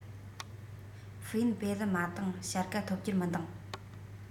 ཕུའུ ཡན པེ ལི མ ཏིང བྱ དགའ ཐོབ རྒྱུར མི འདང